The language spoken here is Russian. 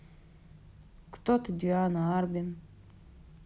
кто то диана арбин